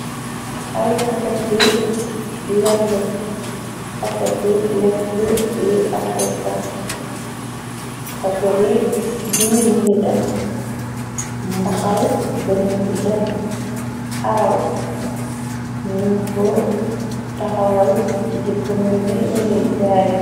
Ay pakketu lekk yu afrika paket yi bi më ngi def mbaxal bennn bi def araw nin ko taxawal di ko menni liñuy jaay.